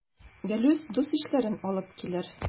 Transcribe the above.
Гелүс дус-ишләрен алып килер.